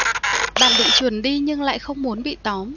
bạn định chuồn đi nhưng lại không muốn bị tóm